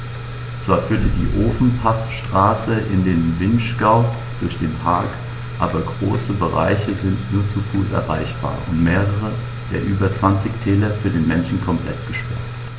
Zwar führt die Ofenpassstraße in den Vinschgau durch den Park, aber große Bereiche sind nur zu Fuß erreichbar und mehrere der über 20 Täler für den Menschen komplett gesperrt.